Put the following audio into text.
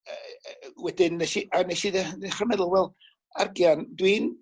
yy yy yy yy wedyn nes i yy nes i dde- ddechra meddwl wel argian dwi'n